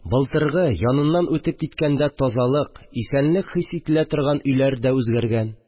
Былтыргы, яныннан үтеп киткәндә тазалык, исәнлек хис ителә торган өйләр дә үзгәргән